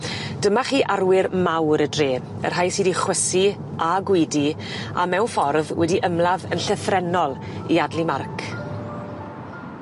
Dyma chi arwyr mawr y dre, y rhai sy 'di chwysu a gwidu a mewn ffordd wedi ymladd yn llythrennol i adel 'u marc.